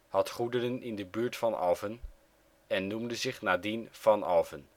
had goederen in de buurt van Alphen en noemde zich nadien Van Alphen